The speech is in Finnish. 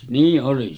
niin oli